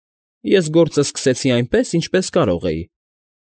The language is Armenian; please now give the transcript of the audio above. Ես գործն սկսեցի այնպես, ինչպես կարող էի։